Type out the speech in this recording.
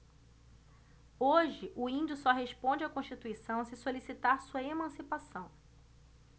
hoje o índio só responde à constituição se solicitar sua emancipação